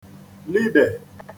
lidè